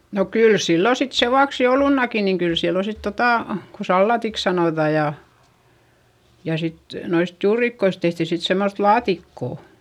no kyllä silloin sitten sen vuoksi joulunakin niin kyllä silloin sitten tuota kun salaatiksi sanotaan ja ja sitten noista juurikoista tehtiin sitten semmoista laatikkoa